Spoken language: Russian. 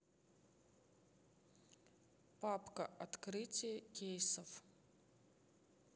папка открытие кейсов